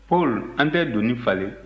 paul an tɛ doni falen